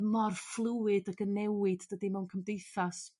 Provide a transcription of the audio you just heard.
mor fluid ag yn newid dydi mewn gymdeithas?